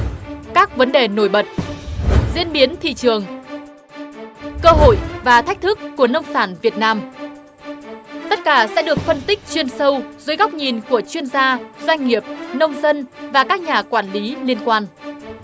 các vấn đề nổi bật diễn biến thị trường cơ hội và thách thức của nông sản việt nam tất cả sẽ được phân tích chuyên sâu dưới góc nhìn của chuyên gia doanh nghiệp nông dân và các nhà quản lý liên quan